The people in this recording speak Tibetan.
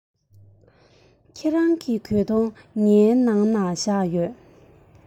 ཁྱེད རང གི གོས ཐུང ངའི ནང ལ བཞག ཡོད